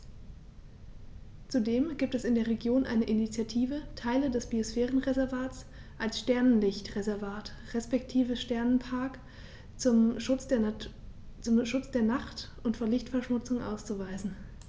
Zudem gibt es in der Region eine Initiative, Teile des Biosphärenreservats als Sternenlicht-Reservat respektive Sternenpark zum Schutz der Nacht und vor Lichtverschmutzung auszuweisen.